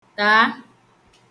tàa